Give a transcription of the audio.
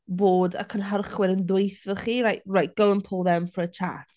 bod y cynhyrchwyr yn dweutha chi "Right, go and pull them for a chat."